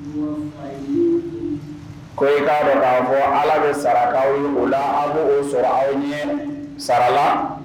Ko k'a dɔn k' fɔ ala bɛ sarakaw la o sɔrɔ a ye sara la